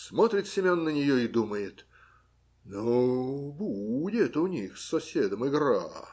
Смотрит Семен на нее и думает: "Ну, будет у них с соседом игра".